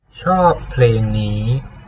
ชอบเพลงนี้